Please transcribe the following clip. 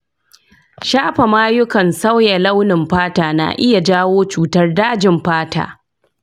shafa mayukan sauya launin fata na iya jawo cutar dajin fata?